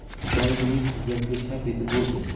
jalil uning tizzasiga shap etib urdi